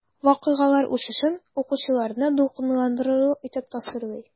Вакыйгалар үсешен укучыларны дулкынландырырлык итеп тасвирлый.